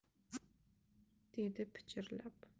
dedi pichirlab